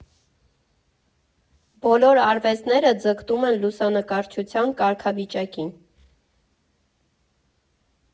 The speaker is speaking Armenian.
Բոլոր արվեստները ձգտում են լուսանկարչության կարգավիճակին։